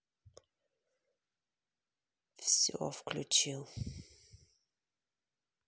все включил